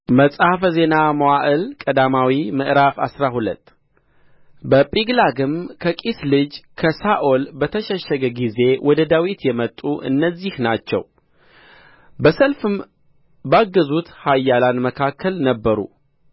መጽሐፈ ዜና መዋዕል ቀዳማዊ ምዕራፍ አስራ ሁለት በጺቅላግም ከቂስ ልጅ ከሳኦል በተሸሸገ ጊዜ ወደ ዳዊት የመጡ እነዚህ ናቸው በሰልፍም ባገዙት ኃያላን መካከል ነበሩ